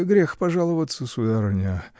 — Грех пожаловаться, сударыня.